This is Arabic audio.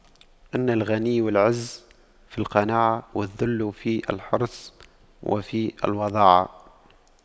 إن الغنى والعز في القناعة والذل في الحرص وفي الوضاعة